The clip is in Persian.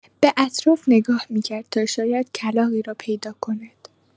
به اطراف نگاه می‌کرد تا شاید کلاغی را پیدا کند.